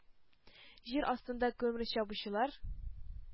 Җир астында күмер чабучылар,